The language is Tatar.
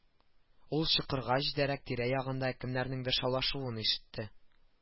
Ул чокырга җитәрәк тирә-ягында кемнәрнеңдер шаулашуын ишетте